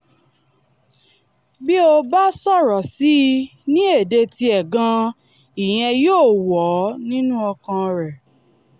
Bí o bá sọ̀rọ̀ sí i ní èdè tiẹ gan-aṇ̀ ìyẹn yóò wọ inú ọkàn rẹ lọ.''